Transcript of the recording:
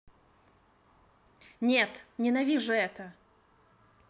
нет ненавижу это